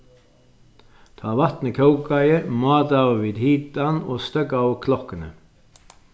tá vatnið kókaði mátaðu vit hitan og steðgaðu klokkuni